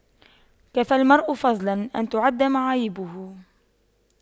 كفى المرء فضلا أن تُعَدَّ معايبه